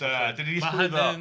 A dan ni 'di llwyddo!